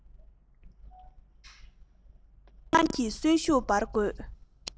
ཚོར སྣང གི གསོན ཤུགས སྦར དགོས